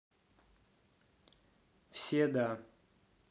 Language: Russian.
все да